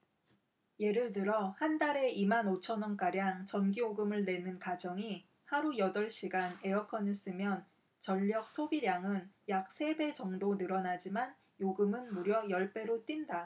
예를 들어 한 달에 이 만 오천 원가량 전기요금을 내는 가정이 하루 여덟 시간 에어컨을 쓰면 전력 소비량은 약 세 배 정도 늘어나지만 요금은 무려 열 배로 뛴다